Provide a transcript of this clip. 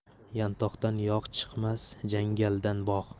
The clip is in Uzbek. yantoqdan yog' chiqmas jangaldan bog'